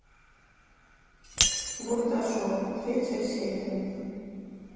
бурдашев третья серия